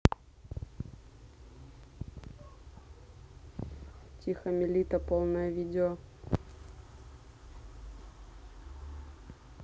тихо милита полное видео